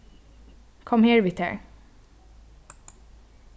kom her við tær